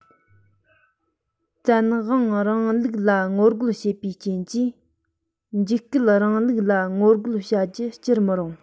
བཙན དབང རིང ལུགས ལ ངོ རྒོལ བྱེད པའི རྐྱེན གྱིས འཇིགས སྐུལ རིང ལུགས ལ ངོ རྒོལ བྱ རྒྱུ བསྐྱུར མི རུང